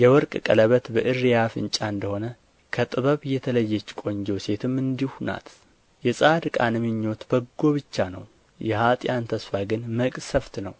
የወርቅ ቀለበት በእርያ አፍንጫ እንደ ሆነ ከጥበብ የተለየች ቆንጆ ሴትም እንዲሁ ናት የጻድቃን ምኞት በጎ ብቻ ነው የኀጥኣን ተስፋ ግን መቅሠፍት ነው